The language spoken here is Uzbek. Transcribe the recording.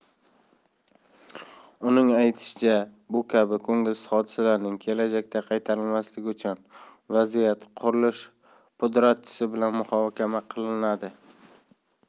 uning aytishicha bu kabi ko'ngilsiz hodisalarning kelajakda qaytarilmasligi uchun vaziyat qurilish pudratchisi bilan muhokama qilinadi